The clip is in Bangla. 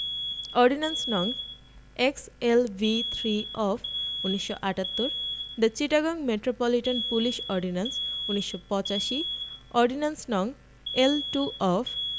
অর্ডিন্যান্স. নং X L V three of ১৯৭৮ the Chittagong metropolitan police ordinance ১৯৮৫ ordinance. নং. L two of